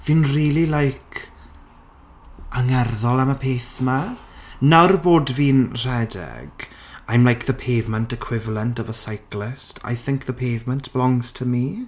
Fi'n rili like angerddol am y peth ma'. Nawr bod fi'n rhedeg I'm like the pavement equivalent of a cyclist. I think the pavement belongs to me.